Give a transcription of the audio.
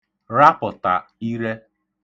rapə̣̀tà irẹ